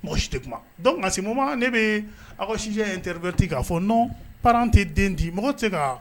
Si tɛ nka sema ne bɛ a kosijɛ in terireti k'a fɔ n pa tɛ den di mɔgɔ tɛ ka